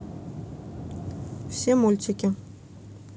все мультики